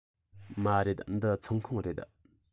མ རེད འདི ཚོང ཁང རེད